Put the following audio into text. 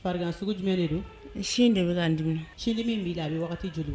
Farigan sugu jumɛn de don n sin de be ka n dimin sindimin min b'i la a be wagati joli bɔ